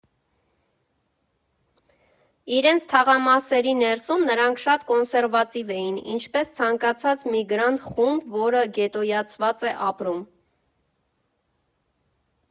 Իրենց թաղամասերի ներսում նրանք շատ կոնսերվատիվ էին, ինչպես ցանկացած միգրանտ խումբ, որը գետոյացված է ապրում։